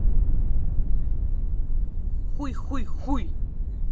хуй хуй хуй